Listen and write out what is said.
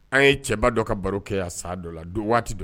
An ye cɛba dɔ ka baro kɛ yan san dɔ la, don waati dɔ.